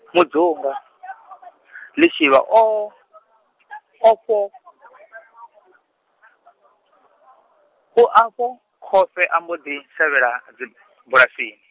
Mudzunga, Lishivha u, ofho , u afho khovhe, a mbo ḓi shavhela, dzibulasini.